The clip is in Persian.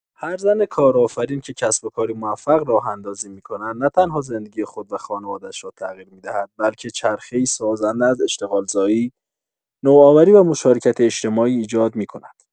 هر زن کارآفرین که کسب‌وکاری موفق راه‌اندازی می‌کند، نه‌تنها زندگی خود و خانواده‌اش را تغییر می‌دهد، بلکه چرخه‌ای سازنده از اشتغال‌زایی، نوآوری و مشارکت اجتماعی ایجاد می‌کند.